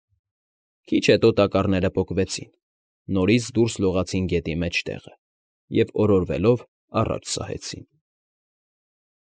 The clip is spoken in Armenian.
Քիչ հետո տակառները պոկվեցին, նորից դուրս լողացին գետի մեջտեղը և օրորվելով առաջ սահեցին։